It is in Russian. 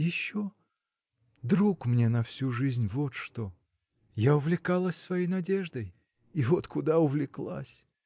— Еще — друг мне на всю жизнь: вот что! Я увлекалась своей надеждой. и вот куда увлеклась!.